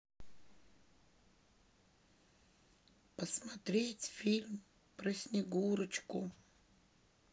посмотреть фильм про снегурочку